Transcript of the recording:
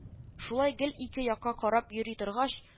Шулай гел ике якка карап йөри торгач